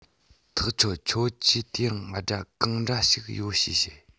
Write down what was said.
ཐག ཆོད ཁྱོད ཀྱིས དེ རིང སྒྲ གང འདྲ ཞིག ཡོད ཞེས བཤད